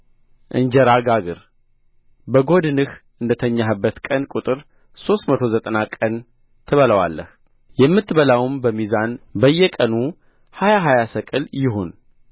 እንጀራ ጋግር በጐድንህ እንደ ተኛህበት ቀን ቍጥር ሦስት መቶ ዘጠና ቀን ትበላዋለህ የምትበላውም በሚዛን በየቀኑ ሀያ ሀያ ሰቅል ይሁን